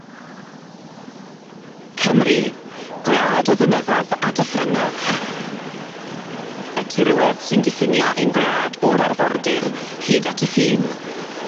Cymru gwlad o fynyddo'dd a dyffrynnodd. Y tirwedd sy'n diffinio ein gwlad o'r arfordir hyd at y ffin.